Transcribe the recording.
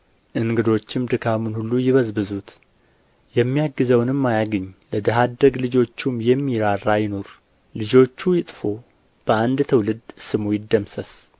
እንግዶችም ድካሙን ሁሉ ይበዝብዙት የሚያግዘውንም አያግኝ ለድሀ አደግ ልጆቹም የሚራራ አይኑር ልጆቹ ይጥፉ በአንድ ትውልድ ስሙ ይደምሰስ